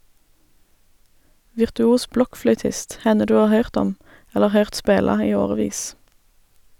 Virtuos blokkfløytist, henne du har høyrt om, eller høyrt spela, i årevis.